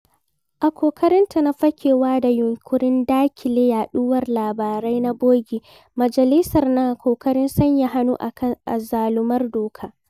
A ƙoƙarinta na fakewa da yunƙurin daƙile yaɗuwar labarai na bogi, Majalisar na ƙoƙarin sanya hannu a kan azalumar dokar.